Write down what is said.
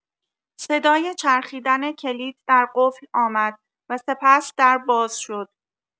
صدای چرخیدن کلید در قفل آمد و سپس، در باز شد.